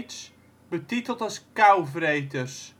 steeds, betiteld als Kouvreters